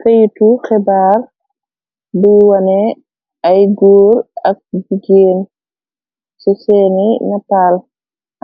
Keyitu xebaar bu wane ay guur ak jigéen ci seeni nataal.